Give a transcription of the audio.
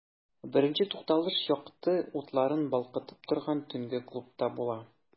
Беренче тукталыш якты утларын балкытып торган төнге клубта була.